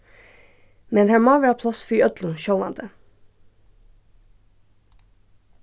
men har má vera pláss fyri øllum sjálvandi